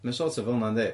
Mae sort of felna yndi?